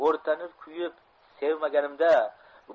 o'rtanib kuyib sevmaganimda